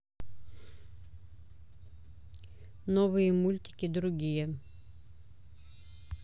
новые мультики другие